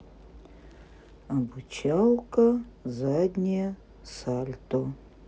обучалка заднее сальто